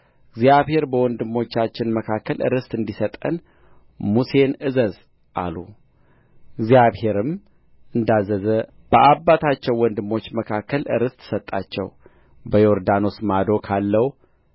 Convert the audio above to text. እግዚአብሔር በወንድሞቻችን መካከል ርስት እንዲሰጠን ሙሴን አዘዘ አሉ እግዚአብሔርም እንዳዘዘ በአባታቸው ወንድሞች መካከል ርስት ሰጣቸው በዮርዳኖስ ማዶ ካለው